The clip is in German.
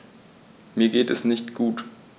Mir geht es nicht gut.